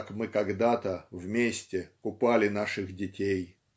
как мы когда-то вместе купали наших детей".